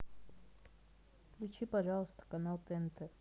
включи пожалуйста канал тнт